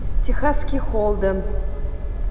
техасский холдем